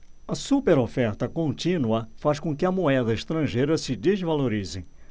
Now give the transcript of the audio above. a superoferta contínua faz com que a moeda estrangeira se desvalorize